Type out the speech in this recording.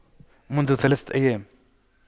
منذ ثلاثة أيام